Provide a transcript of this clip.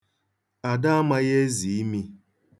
Ada amaghị ezi imi.